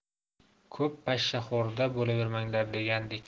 ko'p pashshaxo'rda bo'lavermanglar degandek